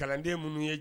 Kalanden mun ye